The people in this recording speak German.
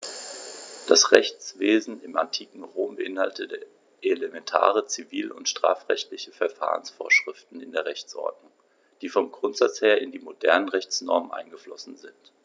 Das Rechtswesen im antiken Rom beinhaltete elementare zivil- und strafrechtliche Verfahrensvorschriften in der Rechtsordnung, die vom Grundsatz her in die modernen Rechtsnormen eingeflossen sind.